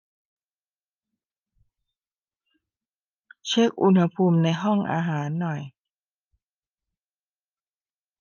เช็คอุณหภูมิในห้องอาหารหน่อย